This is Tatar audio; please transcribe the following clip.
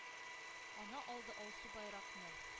Ана алды алсу байракны,